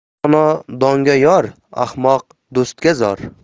dono donoga yor ahmoq do'stga zor